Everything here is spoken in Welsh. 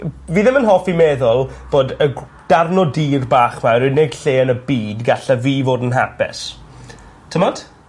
Ng- fi ddim yn hoffi meddwl bod gw- darn o dir bach 'ma yw'r unig lle yn y byd galle fi fod yn hapus. T'mod?